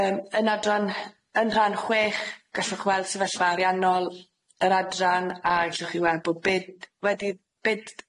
Yym yn adran yn rhan chwech gallwch weld sefyllfa ariannol yr adran a ellwch chi weld bo' byd wedi byd